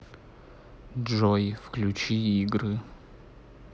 джой включи игры